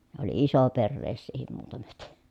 ja oli isoperheisiäkin muutamat